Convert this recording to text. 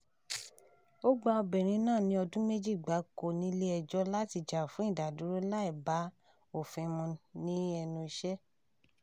Ó gba obìnrin náà ní ọdún méjì gbáko nílé ẹjọ́ láti jà fún ìdádúró láì bá òfin mu ní ẹnu iṣẹ́.